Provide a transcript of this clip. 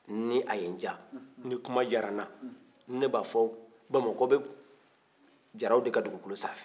ni a ye n diya ni kuma diyara n da ne b'a fɔ bamakɔ bɛ jaraw de ka dugukolo sanfɛ